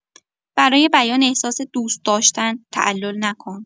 برای بیان احساس دوست‌داشتن تعلل نکن.